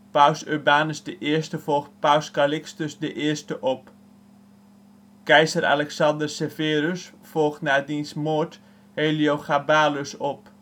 Paus Urbanus I volgt Paus Callixtus I op. Keizer Alexander Severus volgt na diens moord Heliogabalus op